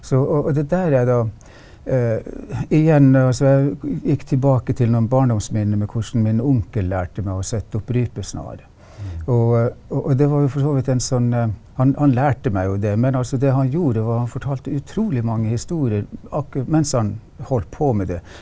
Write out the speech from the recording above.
så og og det er der jeg da igjen altså jeg gikk tilbake til noen barndomsminner med hvordan min onkel lærte meg å sette opp rypesnarer og og og det var jo for så vidt en sånn han han lærte meg jo det, men altså det han gjorde var han fortalte utrolig mange historier mens han holdt på med det.